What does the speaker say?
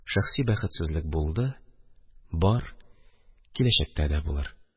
Шәхси бәхетсезлек булды, бар, киләчәктә дә булыр.